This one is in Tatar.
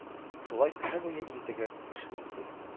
Шулай көне буе интегеп эшли идек.